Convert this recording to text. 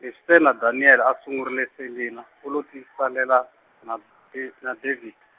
leswi se na Daniel a a sungurile Selinah u lo tisalela na Da-, na David.